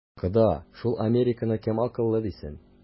Кода, шул американканы кем акыллы дисен?